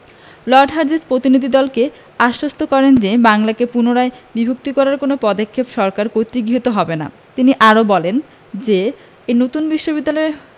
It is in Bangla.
লর্ড হার্ডিঞ্জ প্রতিনিধিদলকে আশ্বস্ত করেন যে বাংলাকে পুনরায় বিভক্ত করার কোনো পদক্ষেপ সরকার কর্তৃক গৃহীত হবে না তিনি আরও বলেন যে এ নতুন বিশ্ববিদ্যালয়